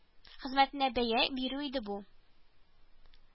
Хезмәтенә бәя бирү иде бу